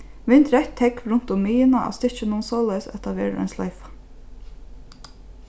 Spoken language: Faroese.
vint reytt tógv runt um miðjuna á stykkinum soleiðis at tað verður ein sloyfa